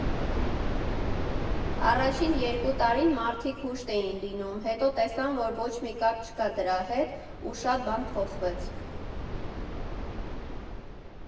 Առաջին երկու տարին մարդիկ հուշտ էին լինում, հետո տեսան, որ ոչ մի կապ չկա դրա հետ, ու շատ բան փոխվեց»։